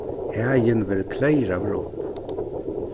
hagin verður kleyraður upp